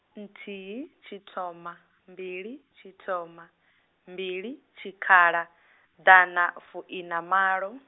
nthihi, tshithoma, mbili, tshithoma, mbili, tshikhala, ḓana fuiṋamalo.